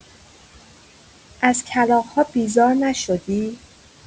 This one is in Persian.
از کلاغ‌ها بیزار نشدی؟